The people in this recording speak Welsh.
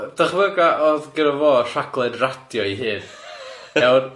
O- dychmyga o'dd gynna fo rhaglen radio 'i hun, iawn?